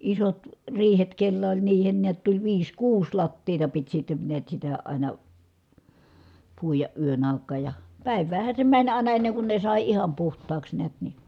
isot riihet kenellä oli niihin näet tuli viisi kuusi lattiaa piti sitten näet sitä aina puida yön aikaan ja päiväänhän se meni aina ennen kuin ne sai ihan puhtaaksi näet niin